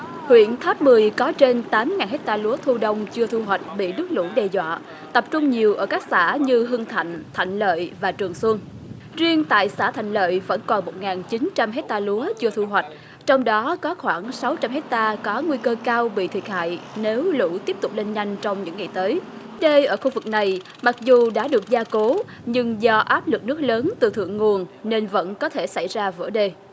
huyện tháp mười có trên tám ngàn héc ta lúa thu đông chưa thu hoặt bị nước lú đe dọa tập trung nhiều ở các xã như hưng thạnh thạnh lợi và trường xuân riêng tại xã thành lợi vẫn còn một nghìn chín trăm héc ta lúa chưa thu hoặt trong đó có khoảng sáu trăm héc ta có nguy cơ cao bị thiệt hại nếu lú tiếp tục lên nhanh trong những ngày tới đê ở khu vực này mặc dù đã được gia cố nhưng do áp lực nước lớn từ thượng nguồn nên vẫn có thể xảy ra vớ đê